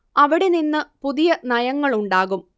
അവിടെ നിന്ന് പുതിയ നയങ്ങൾ ഉണ്ടാകും